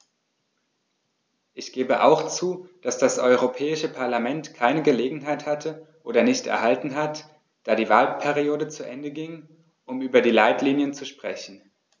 Ich gebe auch zu, dass das Europäische Parlament keine Gelegenheit hatte - oder nicht erhalten hat, da die Wahlperiode zu Ende ging -, um über die Leitlinien zu sprechen.